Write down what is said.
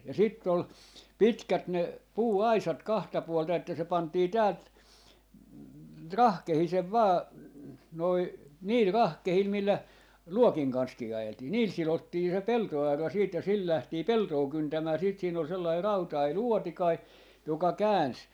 ja sitten oli pitkät ne puuaisat kahta puolta että se pantiin täältä rahkeisen vain noin niillä rahkeilla millä luokin kanssakin ajeltiin niillä sidottiin se peltoaura sitten ja sillä lähdettiin peltoa kyntämään sitten siinä oli sellainen rautainen luotikainen joka käänsi